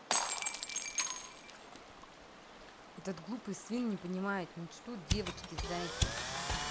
этот глупый свин не понимает мечту девочки зайки